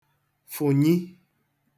fụ̀nyi